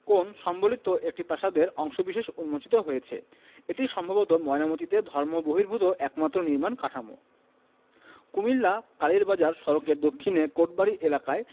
কোণ সম্বলিত একটি প্রাসাদের অংশবিশেষ উন্মোচিত হয়েছে এটিই সম্ভবত ময়নামতীতে ধর্মবহির্ভূত একমাত্র নির্মাণ কাঠামো কুমিল্লা কালীরবাজার সড়কের দক্ষিণে কোটবাড়ি এলাকায়